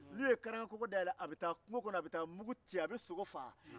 n'u ye karangakogo dayɛlɛn a bɛ taa kungo kɔnɔ ka mugu ci ka sogo faa